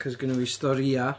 Cos gynno fi storïau.